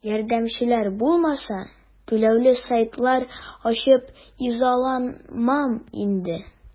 Ярдәмчеләр булмаса, түләүле сайтлар ачып изаланмам инде.